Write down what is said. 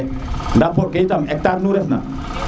nda poɗ ke i tam hectar nu ref na